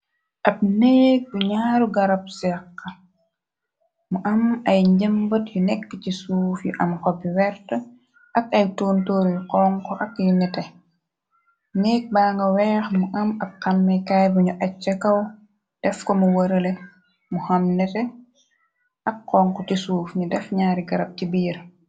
Ab neek bu ñaaru garab sex mu am ay njëmbat yu nekk ci suuf yu am xobi wert ak ay toontooru xonx ak yu nete neeg baa nga weex mu am ab xammekaay bunu acca kaw def ko mu wërale mu xam nete ak xonk ci suuf ni def ñaari garab ci biir.